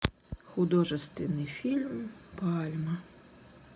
художественный фильм пальма